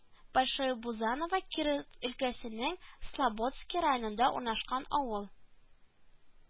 Большое Бузаново Киров өлкәсенең Слободской районында урнашкан авыл